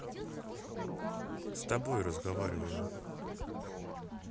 с тобой разговариваю